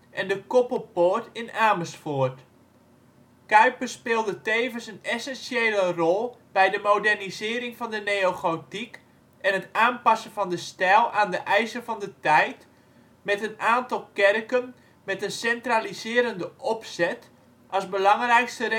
en de Koppelpoort in Amersfoort. Cuypers speelde tevens een essentiële rol bij de modernisering van de neogotiek en het aanpassen van de stijl aan de eisen van de tijd, met een aantal kerken met een centraliserende opzet als belangrijkste